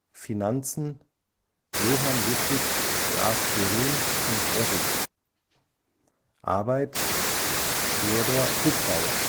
Finanzen: Johann Ludwig Graf Schwerin von Krosigk Arbeit: Theodor Hupfauer